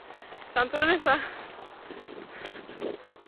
Tan tro nesa!